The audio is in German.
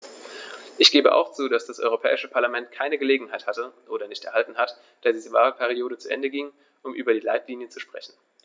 Ich gebe auch zu, dass das Europäische Parlament keine Gelegenheit hatte - oder nicht erhalten hat, da die Wahlperiode zu Ende ging -, um über die Leitlinien zu sprechen.